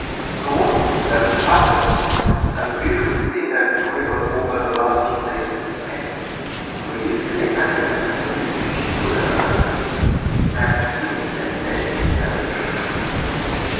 "The one thing that could happen and the beautiful thing that is going on over the last few days in the Senate, when you see the anger, when you see people that are angry and mean and nasty and untruthful," he said.